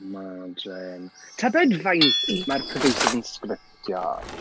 Imagine. Tybed faint mae'r producers yn sgriptio?